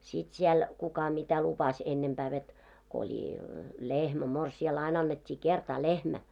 sitten siellä kuka mitä lupasi ennempää veti kun oli lehmä morsiamelle aina annettiin kertaa lehmä